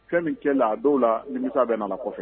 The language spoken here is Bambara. Fɛn min cɛ la dɔw la nimisa bɛ nana kɔfɛ